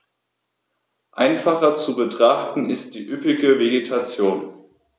Einfacher zu betrachten ist die üppige Vegetation.